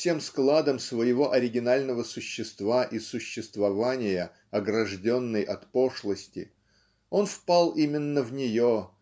всем складом своего оригинального существа и существования огражденный от пошлости он впал именно в нее